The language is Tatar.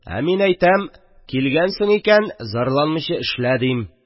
Ә мин әйтәм: килгәнсең икән, зарланмыйча эшлә, дим.